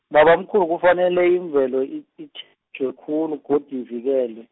babamkhulu kufanele imvelo i- itjhejwe khulu godu ivikelwe.